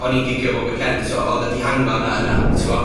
o'n i'n gigio bob weekend, so odd y dihangfa yna yna, t'bo?